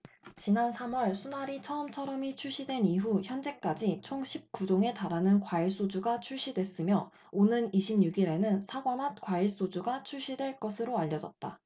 지난 삼 월 순하리 처음처럼이 출시된 이후 현재까지 총 십 구 종에 달하는 과일소주가 출시됐으며 오는 이십 육 일에는 사과맛 과일소주가 출시될 것으로 알려졌다